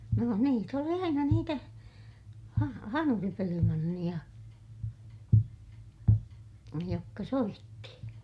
no niitä oli aina niitä - hanuripelimanneja jotka soitti